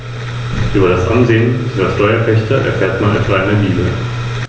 Der Bauch, das Gesicht und die Gliedmaßen sind bei den Stacheligeln mit Fell bedeckt.